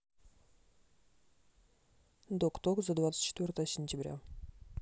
док ток за двадцать четвертое сентября